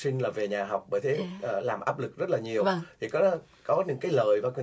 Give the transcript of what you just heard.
sinh là về nhà học bởi thế làm áp lực rất là nhiều thì cái đó những cái lợi có